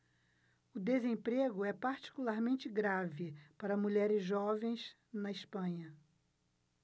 o desemprego é particularmente grave para mulheres jovens na espanha